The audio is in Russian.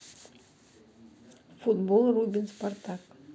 футбол рубин спартак